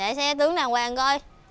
chạy xe đứng đàng hoàng coi